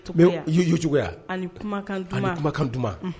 Ye ɲɔ juguyaya ani kumakan duman